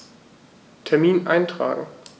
Termin eintragen